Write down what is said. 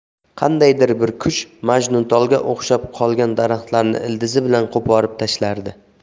qandaydir bir kuch majnuntolga o'xshab qolgan daraxtlarni ildizi bilan qo'porib tashlardi